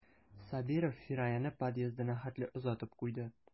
Сабиров Фираяны подъездына хәтле озатып куйды.